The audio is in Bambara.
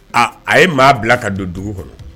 Aa a ye maa bila ka don dugu kɔnɔ